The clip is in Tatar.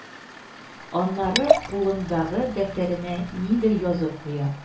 Аннары кулындагы дәфтәренә нидер язып куя